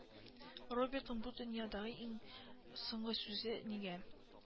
Робертның бу дөньядагы иң соңгы сүзе нигә